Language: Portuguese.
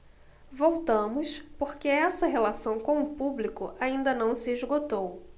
voltamos porque essa relação com o público ainda não se esgotou